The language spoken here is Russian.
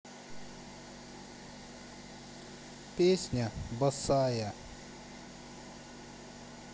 песня босая